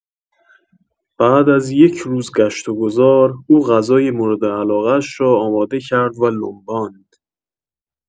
بعد از یک روز گشت و گذار، او غذای مورد علاقه‌اش را آماده کرد و لمباند